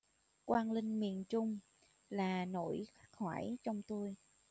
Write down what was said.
quang linh miền trung là nỗi khắc khoải trong tôi